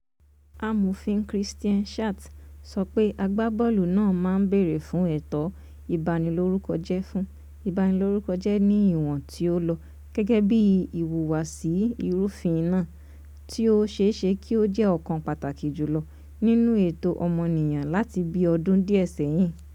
Amòfin Christian Schertz sọ pé agbábọ́ọ̀lù náà máa bèèrè fún ẹ̀tọ́ ìbanilórúkọjẹ́ fún “ìbanilórúkọjẹ́ ní ìwọ̀n tí ó lọ gẹ́gẹ́bí ìwúwosí ìrúfin náà, tí ó ṣeéṣe kí ó jẹ́ ọ̀kan pàtàkì jùlọ nínú ẹ̀tọ́ ọmọnìyàn láti bí ọdún díẹ́ ṣẹ́yìn."